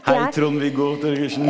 hei Trond-Viggo Torgersen.